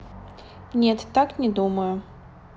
нет так не думаю